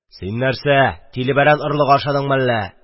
– син нәрсә, тилебәрән орлыгы ашадыңмы әллә?